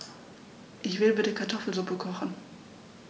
Ich will bitte Kartoffelsuppe kochen.